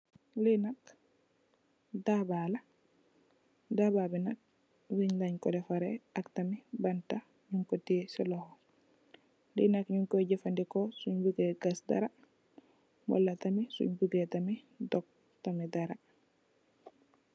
Lii nak daabaa la, daabaa bi nak, ñun ko defaree weñ ak tam banta, ñung ko tiye si loxo. Lii nak ñung ko jafendeko suñg bugee gas dara, wala tam suñ bugee dog dara.